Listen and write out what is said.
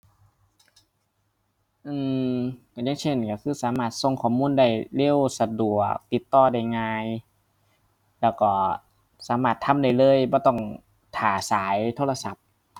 อือ ก็อย่างเช่นก็คือสามารถส่งข้อมูลได้เร็ว สะดวก ติดต่อได้ง่าย แล้วก็สามารถทำได้เลย บ่ต้องท่าสายโทรศัพท์